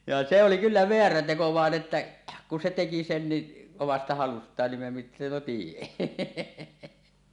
ja se oli kyllä väärä teko vaan että kun se teki sen niin omasta halustaan niin mitäpä siihen